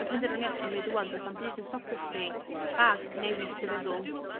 y penderfyniad ti'n neud ŵan do's na'm byd y stopio chdi rhag newid dy feddwl